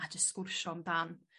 a jys sgwrsio amdan.